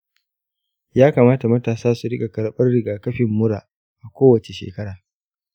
ya kamata matasa su riƙa karɓar rigakafin mura a kowace shekara?